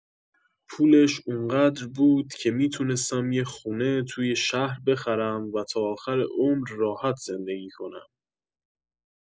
پولش اون‌قدر بود که می‌تونستم یه خونه توی شهر بخرم و تا آخر عمر راحت زندگی کنم.